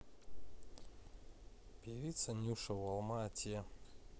певица нюша в алма ате